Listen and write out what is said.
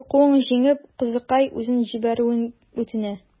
Куркуын җиңеп, кызыкай үзен җибәрүен үтенә.